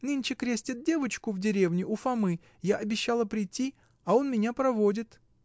— Нынче крестят девочку в деревне, у Фомы: я обещала прийти, а он меня проводит.